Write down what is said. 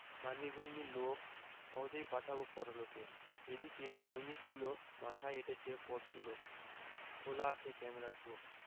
মান্যিগন্যি লোক সহজেই পাঠাবো পরলোকে এদিকে দৈনিকগুলো মাথায় এঁটেছে পরচুলো খোলা আছে ক্যামেরার চোখ